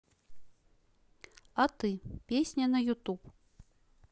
а ты песня на ютуб